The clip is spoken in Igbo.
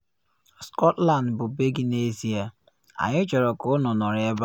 Scotland bụ be gị n’ezie, anyị chọrọ ka unu nọrọ ebe a.”